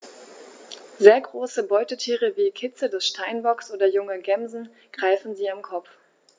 Sehr große Beutetiere wie Kitze des Steinbocks oder junge Gämsen greifen sie am Kopf.